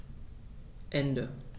Ende.